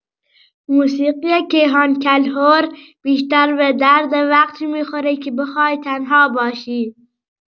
موسیقی کیهان کلهر بیشتر به درد وقتی می‌خوره که بخوای تنها باشی.